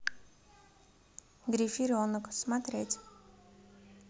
гриференок смотреть